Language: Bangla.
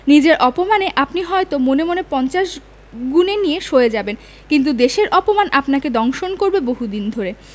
নিজের অপমান আপনি হয়ত মনে মনে পঞ্চাশ গুণে নিয়ে সয়ে যাবেন কিন্তু দেশের অপমান আপনাকে দংশন করবে বহুদিন ধরে